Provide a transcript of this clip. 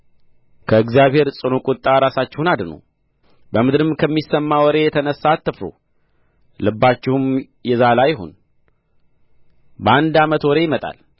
ከእግዚአብሔር ጽኑ ቍጣ ራሳችሁን አድኑ በምድርም ከሚሰማ ወሬ የተነሣ አትፍሩ ልባችሁም የዛለ አይሁን በአንድ ዓመት ወሬ ይመጣል